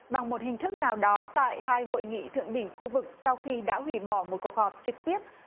bằng một hình thức nào đó tại hai hội nghị thượng đỉnh khu vực sau khi đã hủy bỏ một cuộc họp trực tiếp